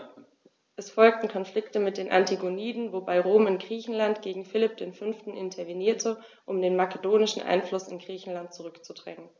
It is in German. Es folgten Konflikte mit den Antigoniden, wobei Rom in Griechenland gegen Philipp V. intervenierte, um den makedonischen Einfluss in Griechenland zurückzudrängen.